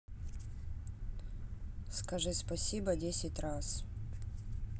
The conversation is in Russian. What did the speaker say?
скажи спасибо десять раз